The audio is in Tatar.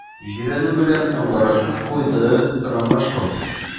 Җирәнү белән ыңгырашып куйды Ромашов.